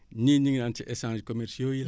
ñii ñu ngi naan ci échange commerciaux yi la